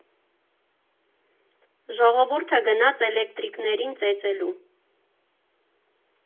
Ժողովուրդը գնաց էլեկտրիկներին ծեծելու։